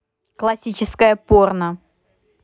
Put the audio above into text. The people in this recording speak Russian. классическое порно